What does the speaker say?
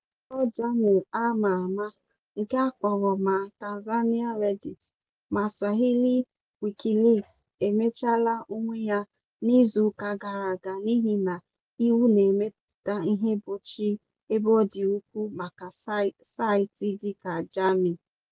Nzukọ Jamii a ma ama - nke a kpọrọ ma "Tanzanian Reddit" ma "Swahili Wikileaks" - emechiela onwe ya n'izuụka gara aga n'ihi na iwu na-emepụta ihe mgbochi ebe ọ dị ukwuu maka saịtị dịka Jamii.